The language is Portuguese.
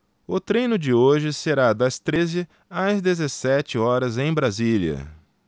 o treino de hoje será das treze às dezessete horas em brasília